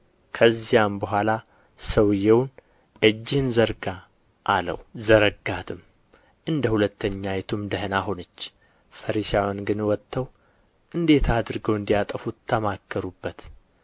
ከዚያም በኋላ ሰውየውን እጅህን ዘርጋ አለው ዘረጋትም እንደ ሁለተኛይቱም ደህና ሆነች ፈሪሳውያን ግን ወጥተው እንዴት አድርገው እንዲያጠፉት ተማከሩበት